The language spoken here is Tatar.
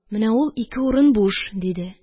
Менә ул ике урын буш, – диде